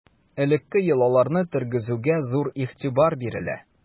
Элекке йолаларны тергезүгә зур игътибар бирелә.